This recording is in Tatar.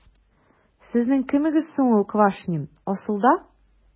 Сезнең кемегез соң ул Квашнин, асылда? ..